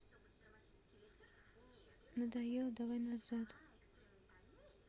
надоело давай назад